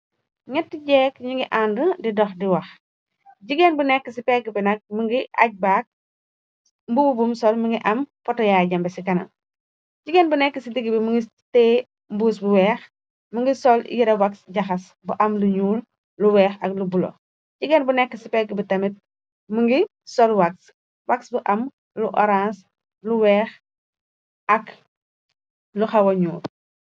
Nyetti jeek ñu ngi ànd di dox di wax jigéen bu nekk ci pegg bi nag mingi aj bg mbubu buum sol mi ngi am photoyaa jambe ci kana jigeen bu nekk ci digg bi mi ngi tee mbuus bu weex mi ngi sol yëra waxs jaxas bu am lu ñyuur lu weex ak lu bulo jigéen bu nekk ci pegg bi tamit mi ngi sol xwax bu am lu orang u weex ak lu xawa ñyuur.